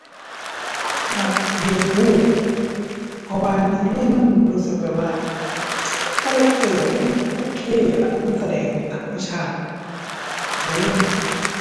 ข้อยมัก Deadpool เพราะว่าหนึ่งเลยมัน รู้สึกแบบว่าคาแรกเตอร์มันโอเคอะ มันแสดงเป็นธรรมชาติข้อยก็เลยมัก